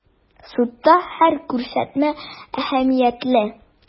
Судта һәр күрсәтмә әһәмиятле.